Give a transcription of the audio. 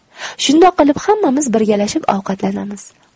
shundoq qilib hammamiz birgalashib ovqatlanamiz